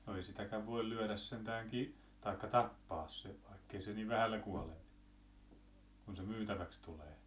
no ei sitäkään voi lyödä sentään - tai tappaa sen vaikka ei se niin vähällä kuole kun se myytäväksi tulee